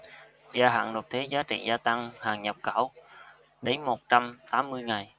gia hạn nộp thuế giá trị gia tăng hàng nhập khẩu đến một trăm tám mươi ngày